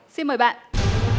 xin mời bạn